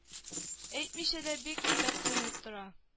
Әйтмичә дә бик әйбәт күренеп тора